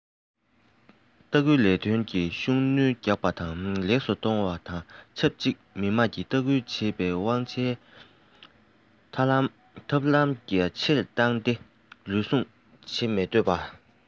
ལྟ སྐུལ ལས དོན ལ ཤུགས སྣོན རྒྱག པ དང ལེགས སུ གཏོང བ དང ཆབས ཅིག མི དམངས ཀྱིས ལྟ སྐུལ བྱེད པའི དབང ཆའི ཐབས ལམ རྒྱ ཆེར བཏང སྟེ རུལ སུངས བྱེད མི འདོད པ དང